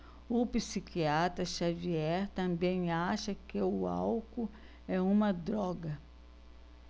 o psiquiatra dartiu xavier também acha que o álcool é uma droga